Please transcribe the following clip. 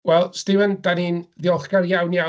Wel, Stephen, dan ni'n ddiolchgar iawn iawn.